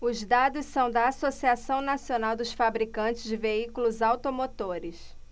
os dados são da anfavea associação nacional dos fabricantes de veículos automotores